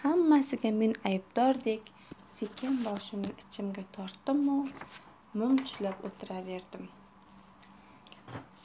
hammasiga men aybdordek sekin boshimni ichimga tortdimu mum tishlab o'tiraverdim